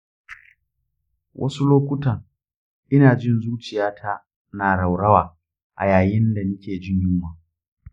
wasu lokuttan ina jin zuciyata ta na raurawa a yayin da nike jin yunwa.